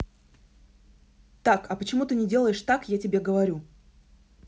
так а почему ты не делаешь так я тебе говорю